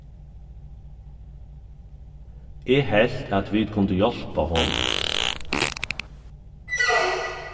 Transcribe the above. eg helt at vit kundu hjálpa honum